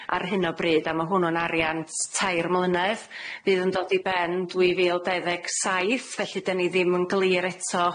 ar hyn o bryd. A ma' hwnnw'n arian t- tair mlynedd, fydd yn dod i ben dwy fil dau ddeg saith. Felly 'de ni ddim yn glir eto